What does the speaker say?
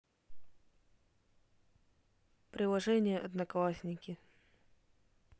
приложение одноклассники